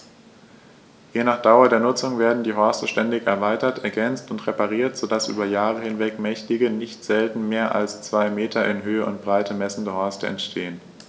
Je nach Dauer der Nutzung werden die Horste ständig erweitert, ergänzt und repariert, so dass über Jahre hinweg mächtige, nicht selten mehr als zwei Meter in Höhe und Breite messende Horste entstehen.